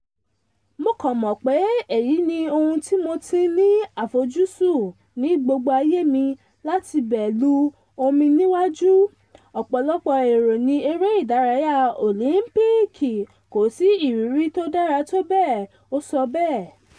"Mó kàn mọ̀ pé èyí ní ohun tí mó tí ní ńí àfojúsù ní gbogbo ayé mi láti bẹ lu omi níwájú ọ̀pọ̀lọpọ̀ èrò ní Eré ìdárayá Òlìńpìkì, kò sí ìrírí tó dára tó bẹ́ẹ̀,” Ó sọ bẹ́ẹ̀. .